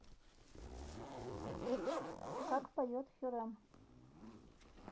как поет хюррем